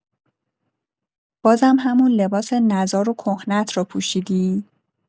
بازم همون لباس نزار و کهنه‌ات رو پوشیدی؟!